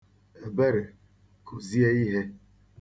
Ebere, kụzie ihe.